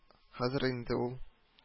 Хәзер инде ул